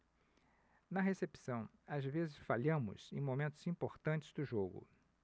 na recepção às vezes falhamos em momentos importantes do jogo